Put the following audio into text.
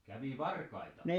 kävi varkaita